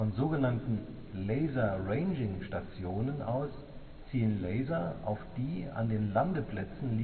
sogenannten Laser-Ranging-Stationen aus zielen Laser auf die an den Landeplätzen